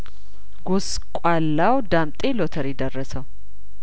ጐስቋላው ዳምጤ ሎተሪ ደረሰው